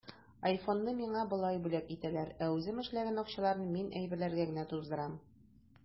Айфонны миңа болай бүләк итәләр, ә үзем эшләгән акчаларны мин әйберләргә генә туздырам.